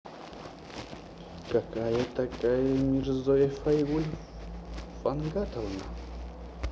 кто такая мирзоев айгуль фангатовна